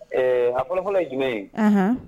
Ɛɛ a kɔrɔfɔfɔlɔ ye jumɛn ye